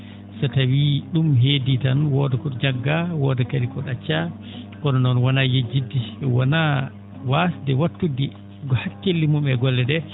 so tawii ?um heedii tan wooda ko jaggaa wooda kadi ko ?accaa kono noon wonaa yejjidde wonaa waasde wattude hakkille mum e golle ?e